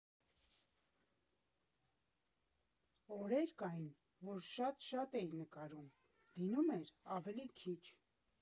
Օրեր կային, որ շատ շատ էի նկարում, լինում էր՝ ավելի քիչ։